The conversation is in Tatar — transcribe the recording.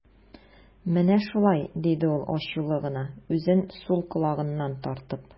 Менә шулай, - диде ул ачулы гына, үзен сул колагыннан тартып.